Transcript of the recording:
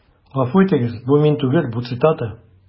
Гафу итегез, бу мин түгел, бу цитата.